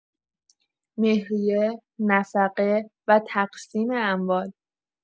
مهریه، نفقه و تقسیم اموال